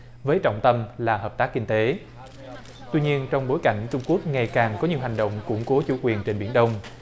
với trọng tâm là hợp tác kinh tế tuy nhiên trong bối cảnh trung quốc ngày càng có nhiều hành động củng cố chủ quyền trên biển đông